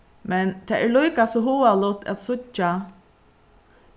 men tað er líka so hugaligt at síggja